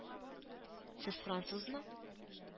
— сез французмы